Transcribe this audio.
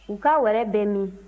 u ka wɛrɛ bɛ min